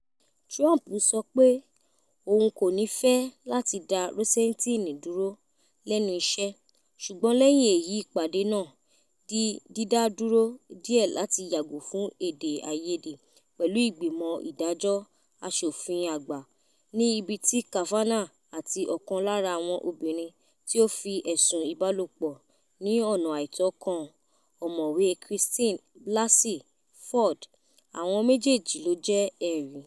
Trump sọ pé òun "kò ní fẹ́" láti dá Rosenstein dúró lẹ́nu iṣẹ́ ṣùgbọ́n lẹ́yìn èyí ìpàdé náà di dídá dúró díẹ̀ láti yàgò fún èdè àìyedè pẹ̀lú ìgbìmọ̀ ìdájọ́ Aṣòfin àgbà ní ibi tí Kavanaugh àti ọ̀kan lára àwọn obìnrin tí ó fi ẹ̀sùn ìbálòpọ̀ ní ọ́nà àìtọ́ kan Ọ̀mọ̀wé Christine Blassey Ford, àwọn méjèèjì ló jẹ́ ẹ̀rí